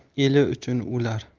tug'ilar eli uchun o'lar